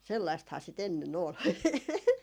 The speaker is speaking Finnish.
sellaistahan sitä ennen oli